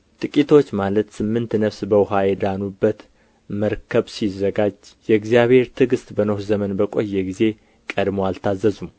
ጥቂቶች ማለት ስምንት ነፍስ በውኃ የዳኑበት መርከብ ሲዘጋጅ የእግዚአብሔር ትዕግሥት በኖኅ ዘመን በቈየ ጊዜ ቀድሞ አልታዘዙም